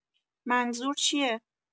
منظور چیه؟